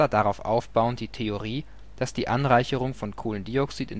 darauf aufbauend die Theorie, dass die Anreicherung von Kohlendioxid